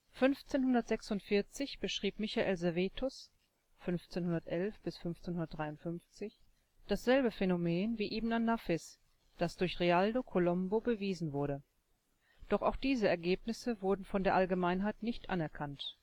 1546 beschrieb Michael Servetus (1511 – 1553) dasselbe Phänomen wie Ibn an-Nafis, das durch Realdo Colombo bewiesen wurde. Doch auch diese Ergebnisse wurden von der Allgemeinheit nicht anerkannt